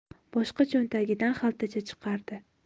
boshqa cho'ntagidan xaltacha chiqardi